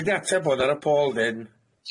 Dwi 'di ateb bod ar y Paul 'dyn.